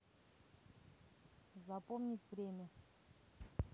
запомнить время